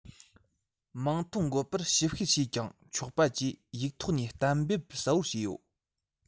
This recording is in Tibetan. མིང མི འགོད པར ཞིབ བཤེར བྱས ཀྱང ཆོག པ བཅས ཡིག ཐོག ནས གཏན འབེབས གསལ བོ བྱས ཡོད